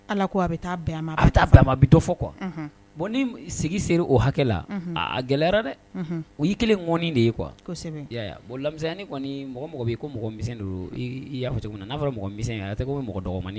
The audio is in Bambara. Ala ko a bɛ taa fɔ kɔ ni o hakɛla gɛlɛyayara dɛ o ye kelen mɔni de ye kuwa bonlanmiya kɔni mɔgɔ mɔgɔ ko mɔgɔ mi yafe n'a fɔra fɔ mɔgɔ misɛn tɛ ko mɔgɔ